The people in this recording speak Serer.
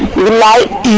bilaay